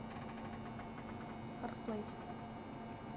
hard play